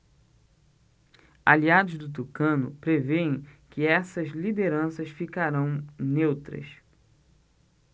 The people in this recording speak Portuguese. aliados do tucano prevêem que essas lideranças ficarão neutras